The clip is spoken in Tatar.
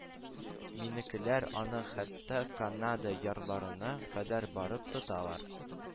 Минекеләр аны хәтта Канада ярларына кадәр барып тоталар